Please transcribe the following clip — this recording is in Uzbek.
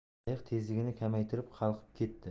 qayiq tezligini kamaytirib qalqib ketdi